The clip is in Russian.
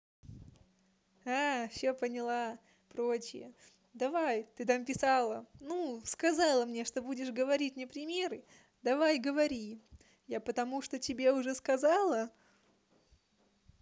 а все поняла прочее давай ты там писала ну сказала мне что будешь говорить мне примеры давай говори я потому что тебе уже сказала